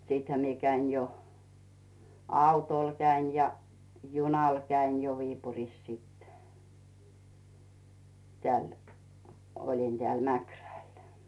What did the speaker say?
sittenhän minä kävin jo autolla kävin ja junalla kävin jo Viipurissa sitten täällä olin täällä Mäkrällä